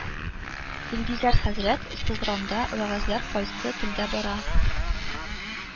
Илгизәр хәзрәт, Сызранда вәгазьләр кайсы телдә бара